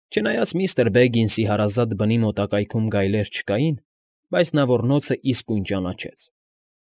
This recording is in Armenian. Չնայած միստր Բեգինսի հարազատ բնի մոտակայքում գայելր չկային, բայց նա ոռնոցն իսկույն ճանաչեց։